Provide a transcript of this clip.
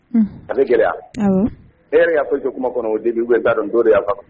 A gɛlɛya awɔ ne yɛrɛ ka foyi tɛ kuma kɔnɔ au début wele da dɔn nto'